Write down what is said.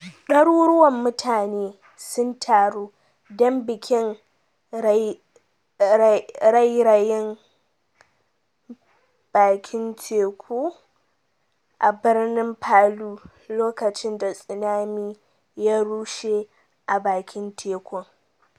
Daruruwan mutane sun taru don bikin rairayin bakin teku a birnin Palu lokacin da tsunami ya rushe a bakin tekun.